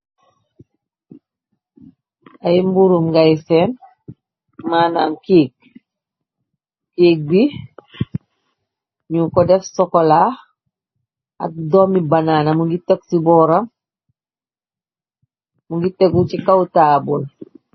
Ay mburu ngay seen manam kéék , kéék bi ñing ko dèf sokola ak domi banana mugii tégu ci boram mu ngi tégu ci kaw tabull.